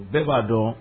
U bɛɛ b'a dɔɔn